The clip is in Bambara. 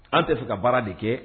An tɛ fɛ ka baara de kɛ